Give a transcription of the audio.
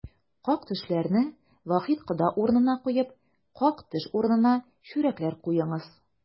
Как-төшләрне Вахит кода урынына куеп, как-төш урынына чүрәкләр куеңыз!